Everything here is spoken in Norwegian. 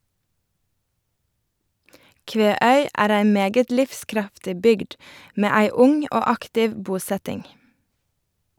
Kveøy er ei meget livskraftig bygd med ei ung og aktiv bosetting.